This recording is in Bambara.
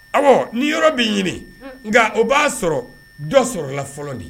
Ɔwɔ ni yɔrɔ bɛ ɲini nka o b'a sɔrɔ dɔ sɔrɔla la fɔlɔ de